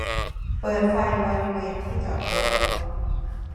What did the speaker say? เปิดไฟบริเวณที่จอดรถ